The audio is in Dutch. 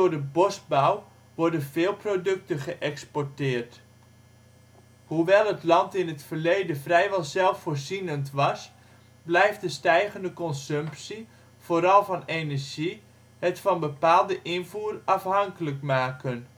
de bosbouw worden veel producten geëxporteerd. Hoewel het land in het verleden vrijwel zelfvoorzienend was, blijft de stijgende consumptie, vooral van energie, het van bepaalde invoer afhankelijk maken